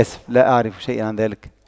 آسف لا اعرف شيء عن ذلك